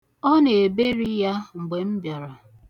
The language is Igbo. Ọ na-eberi ya mgbe m bịara.